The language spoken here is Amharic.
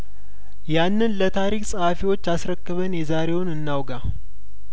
ያንን ለታሪክ ጸሀፊዎች አስረክበን የዛሬውን እናውጋ